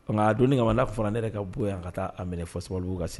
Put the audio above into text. Nka a don kamamana fana ne yɛrɛ ka bɔ yan ka taa minɛ sababu ka